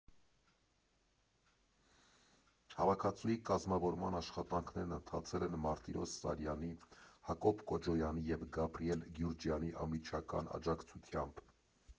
Հավաքածուի կազմավորման աշխատանքներն ընթացել են Մարտիրոս Սարյանի, Հակոբ Կոջոյանի և Գաբրիել Գյուրջյանի անմիջական աջակցությամբ։